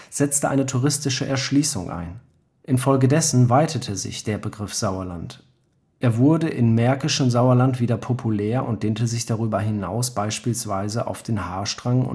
setzte eine touristische Erschließung ein. Infolgedessen weitete sich der Begriff Sauerland: Er wurde im märkischen Sauerland wieder populär und dehnte sich darüber hinaus beispielsweise auf den Haarstrang